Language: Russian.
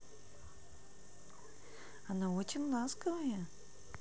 она очень ласковая